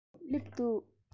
སླེབས འདུག